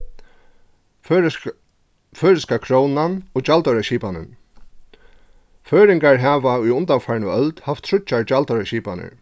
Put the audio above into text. føroysk føroyska krónan og gjaldoyraskipanin føroyingar hava í undanfarnu øld havt tríggjar gjaldoyraskipanir